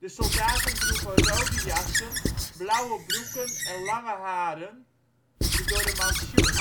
soldaten droegen rode jassen, blauwe broeken en lange haren (de door de Mantsjoe